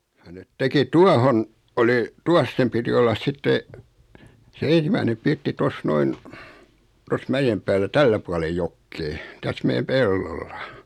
ja ne teki tuohon oli tuossa sen piti olla sitten se ensimmäinen pirtti tuossa noin tuossa mäen päällä tällä puolen jokea tässä meidän pellolla